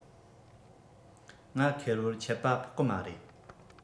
ང ཁེར བོར ཆད པ ཕོག མ རེད